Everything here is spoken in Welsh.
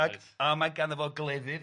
Ac yy mae ganddo fo gleddyd